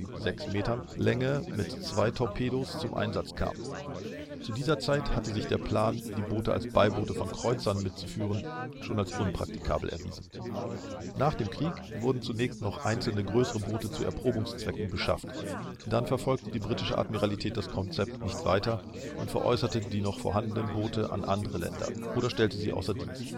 ≈16,76 m) Länge mit zwei Torpedos zum Einsatz kam. Zu dieser Zeit hatte sich der Plan die Boote als Beiboote von Kreuzern mitzuführen schon als unpraktikabel erwiesen. Nach dem Krieg wurden zunächst noch einzelne größere Boote zu Erprobungszwecken beschafft, dann verfolgte die britische Admiralität das Konzept nicht weiter und veräußerte die noch vorhandenen Boote an andere Länder oder stellte sie außer Dienst